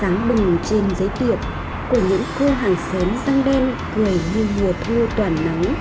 sáng bừng trên giấy điệp của những cô hàng xén răng đen cười như mùa thu tỏa nắng